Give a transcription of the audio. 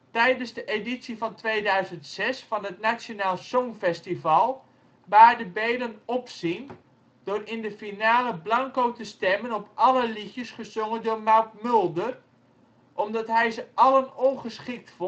Tijdens de editie van 2006 van het Nationaal Songfestival baarde Beelen opzien door in de finale blanco te stemmen op alle liedjes gezongen door Maud Mulder, omdat hij ze allen ongeschikt